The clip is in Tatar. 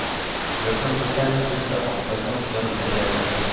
Йортның күптәнге дусты Актырнак шулай әҗәл тапты